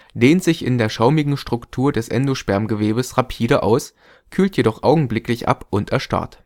dehnt sich in der schaumigen Struktur des Endospermgewebes rapide aus, kühlt jedoch augenblicklich ab und erstarrt